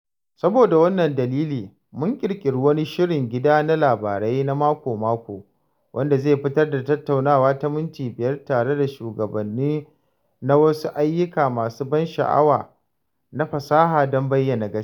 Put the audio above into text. Saboda wannan dalili, mun ƙirƙiri wani shirin gida na labarai na mako-mako wanda zai fitar da tattaunawa ta minti biyar tare da shugabanni na wasu ayyuka masu ban sha'awa na fasaha don bayyana gaskiya.